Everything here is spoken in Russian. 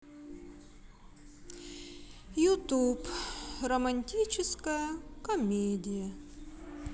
ютуб романтическая комедия